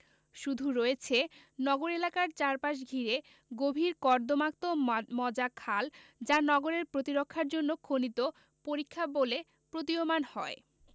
শুধু রয়েছে নগর এলাকার চারপাশ ঘিরে গভীর কর্দমাক্ত মজা খাল যা নগরের প্রতিরক্ষার জন্য খনিত পরিখা বলে প্রতীয়মান হয়